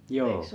joo